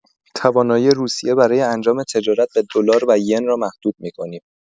توانایی روسیه برای انجام تجارت به دلار و ین را محدود می‌کنیم.